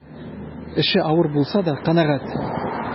Эше авыр булса да канәгать.